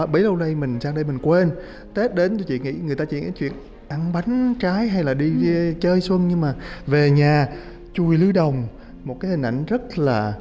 bấy lâu nay mình sang đây mình quên tết đến chị người ta chỉ nghĩ đến chuyện ăn bánh trái hay là đi đi chơi xuân nhưng mà về nhà chùi lư đồng một cái hình ảnh rất là